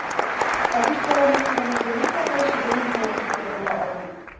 Ә бит баланың сәламәтлеген саклаучы белем генә сыйфатлы була ала.